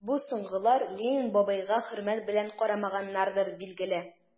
Бу соңгылар Ленин бабайга хөрмәт белән карамаганнардыр, билгеле...